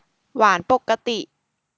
หวานปกติ